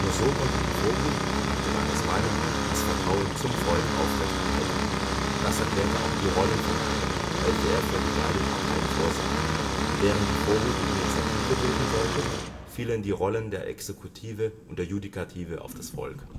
so konnte die Vorhut, nach Guevaras Meinung, das Vertrauen zum Volk aufrechterhalten. Das erklärte auch die Rollenverteilung, welche er für die beiden Parteien vorsah. Während die Vorhut die Initiative bilden sollte, fielen die Rollen der Exekutive und der Judikative auf das Volk